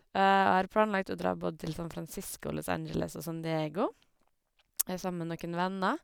Og jeg har planlagt å dra både til San Fransisco, Los Angeles og San Diego sammen noen venner.